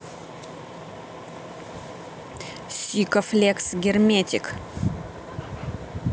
sicko флекс герметик